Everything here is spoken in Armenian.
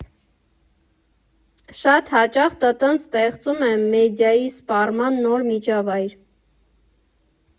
Շատ հաճախ ՏՏ֊Ն ստեղծում Է մեդիայի սպառման նոր միջավայր։